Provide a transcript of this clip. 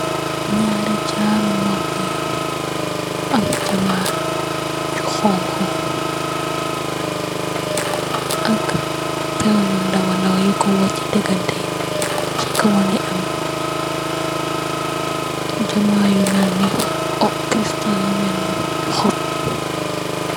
Njaari jaarou nopu yu am diamant yu honhu, ak aiiy pehrre yu ndaw wa ndaw yu kor wohrre chi digahnteh yii, chi kaw wangui am diamant yu melni, crystal yu melni horf.